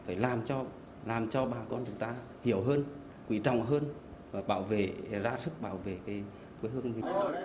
phải làm cho làm cho bà con chúng ta hiểu hơn quý trọng hơn và bảo vệ ra sức bảo vệ cái quê hương mình